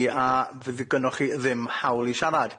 I- ha- f- fydd gynnoch chi ddim hawl i siarad.